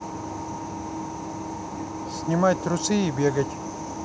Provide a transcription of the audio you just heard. снимать трусы и бегать